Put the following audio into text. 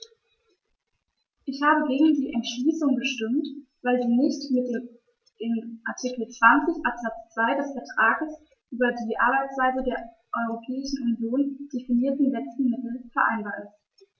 Ich habe gegen die Entschließung gestimmt, weil sie nicht mit dem in Artikel 20 Absatz 2 des Vertrags über die Arbeitsweise der Europäischen Union definierten letzten Mittel vereinbar ist.